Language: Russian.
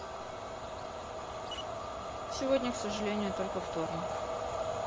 сегодня к сожалению только вторник